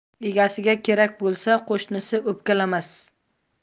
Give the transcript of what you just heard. egasiga kerak bo'lsa qo'shnisi o'pkalamas